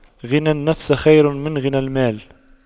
غنى النفس خير من غنى المال